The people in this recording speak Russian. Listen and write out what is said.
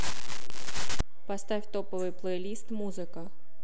поставь топовый плейлист музыка